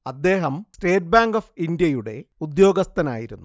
അദ്ദേഹം state bank of ഇന്ത്യയുടെ ഉദ്യോഗസ്ഥനായിരുന്നു